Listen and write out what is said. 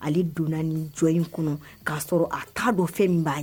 Ale donna ni jɔ in kɔnɔ, k'a sɔrɔ a dɔn fɛn min b'a